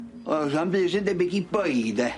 O sa'm byd sy'n debyg i bei de?